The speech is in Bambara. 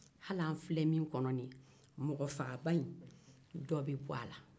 hali an filɛ min kɔnɔ mɔgɔfagaba in dɔ b'i bɔ a la